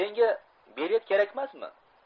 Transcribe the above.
senga bilet kerakmasmi